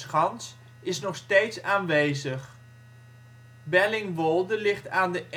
steeds aanwezig. Bellingwolde ligt aan de